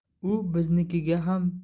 u biznikiga ham